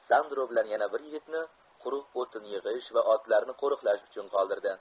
sandro bilan yana bir yigitni quruq o'tin yig'ish va otlarni qo'riqlash uchun qoldirdi